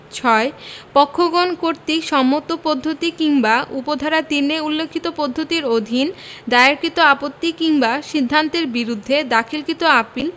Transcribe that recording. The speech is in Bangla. ৬ পক্ষগণ কর্তৃক সম্মত পদ্ধতি কিংবা উপ ধারা ৩ এ উল্লেখিত পদ্ধতির অধীন দায়েরকৃত আপত্তি কিংবা সিদ্ধান্তের বিরুদ্ধে দাখিলকৃত আপীল